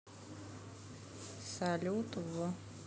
salute в